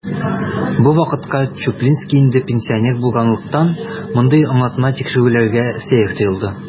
Бу вакытка Чуплинский инде пенсионер булганлыктан, мондый аңлатма тикшерүчеләргә сәер тоелды.